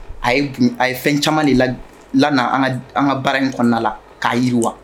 A ye b un a ye fɛn caman de la d la na an ŋa d an ŋa baara in kɔɔna la k'a yiriwa